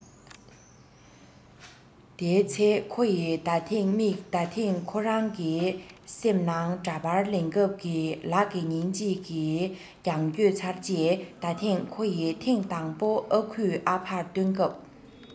དེའི ཚེ ཁོ ཡི ད ཐེངས དམིགས ད ཐེངས ཁོ རང གི སེམས ནང འདྲ པར ལེན སྐབས ཀྱི ལག གི ཉིན གཅིག གི རྒྱང བསྐྱོད ཚར རྗེས ད ཐེངས ཁོ ཡི ཐེངས དང པོ ཨ ཁུས ཨ ཕར བཏོན སྐབས